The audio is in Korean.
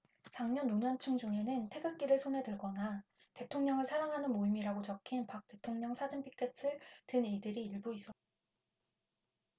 장년 노년층 중에는 태극기를 손에 들거나 대통령을 사랑하는 모임이라고 적힌 박 대통령 사진 피켓을 든 이들이 일부 있었다